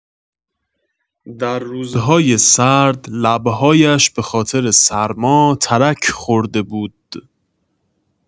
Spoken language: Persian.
در روزهای سرد، لب‌هایش به‌خاطر سرما ترک‌خورده بود.